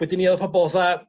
wedyn ia odd pobol atha